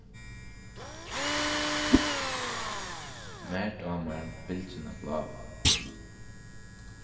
mær dámar bylgjuna bláu